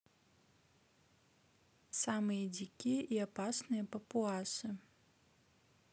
самые дикие и опасные папуасы